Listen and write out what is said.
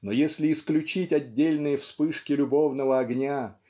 но если исключить отдельные вспышки любовного огня